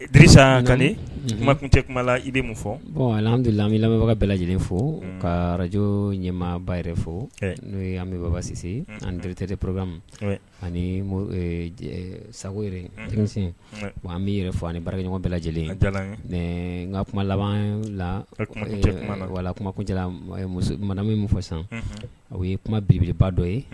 Bisa kan tɛ fɔ bɔn lami lamɛnbaga bɛɛ lajɛlen fo ka arajo ɲɛmaba yɛrɛ fo n'o an bɛ babasise an teriteoroba ma ani sagogo denmisɛn wa an bɛ yɛrɛ fɔ ani baraɲɔgɔn bɛɛ lajɛlen n n ka kuma laban lala kuma mana min fɔ san o ye kuma bibbieleba dɔ ye